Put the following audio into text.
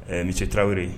Ɛɛ misi tarawelere ye